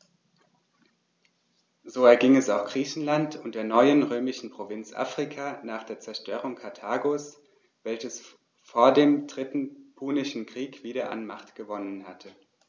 So erging es auch Griechenland und der neuen römischen Provinz Afrika nach der Zerstörung Karthagos, welches vor dem Dritten Punischen Krieg wieder an Macht gewonnen hatte.